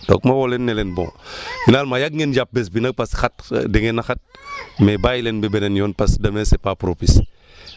donc ma woo leen ne leen bon finalement yàgg ngeen jàpp bés bi nag parce que xat dangeen a xat mais bàyyi leen ba beneen yoon parce que demain c' est pas propîce